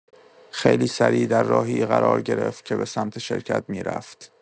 خیلی سریع در راهی قرار گرفت که به‌سمت شرکت می‌رفت.